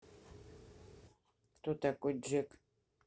кто такой джек